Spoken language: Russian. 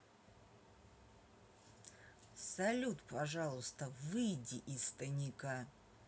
салют пожалуйста выйди из тайника